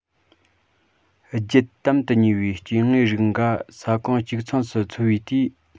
རྒྱུད དམ དུ ཉེ བའི སྐྱེ དངོས རིགས འགའ ས ཁོངས གཅིག མཚུངས སུ འཚོ བའི དུས